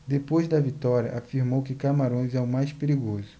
depois da vitória afirmou que camarões é o mais perigoso